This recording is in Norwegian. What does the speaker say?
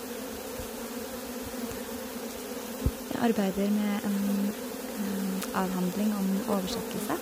Jeg arbeider med en avhandling om oversettelse.